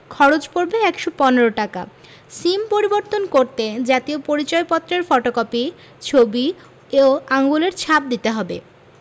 খরচ পড়বে ১১৫ টাকা সিম পরিবর্তন করতে জাতীয় পরিচয়পত্রের ফটোকপি ছবি ও আঙুলের ছাপ দিতে হবে